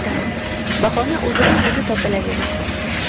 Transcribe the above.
tamom bahona o'zidan o'zi topilaveradi